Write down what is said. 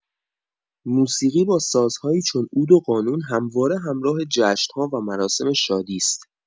موسیقی با سازهایی چون عود و قانون همواره همراه جشن‌ها و مراسم شادی است.